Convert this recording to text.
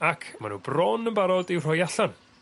Ac ma' n'w bron yn barod i'w rhoi allan.